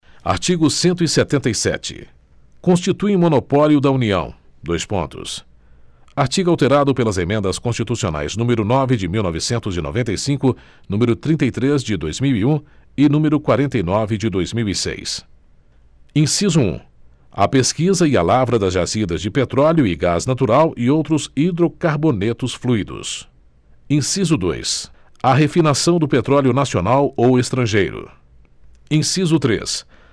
artigo cento e setenta e sete constituem monopólio da união dois pontos artigo alterado pelas emendas constitucionais número nove de mil novecentos e noventa e cinco número trinta e três de dois mil e um e número quarenta e nove de dois mil e seis inciso um a pesquisa e a lavra das jazidas de petróleo e gás natural e outros hidrocarbonetos fluidos inciso dois a refinação do petróleo nacional ou estrangeiro inciso três